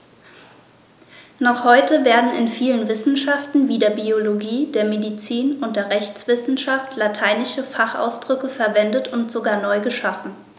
Noch heute werden in vielen Wissenschaften wie der Biologie, der Medizin und der Rechtswissenschaft lateinische Fachausdrücke verwendet und sogar neu geschaffen.